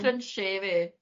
...crunchie i fi.